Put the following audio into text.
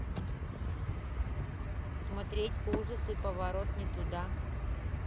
смотреть ужасы поворот не туда